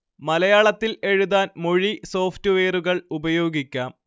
മലയാളത്തിൽ എഴുതാൻ മൊഴി സോഫ്റ്റ്‌വെയറുകൾ ഉപയോഗിക്കാം